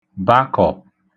bakọ̀